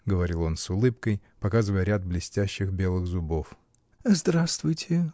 — говорил он с улыбкой, показывая ряд блестящих белых зубов. — Здравствуйте.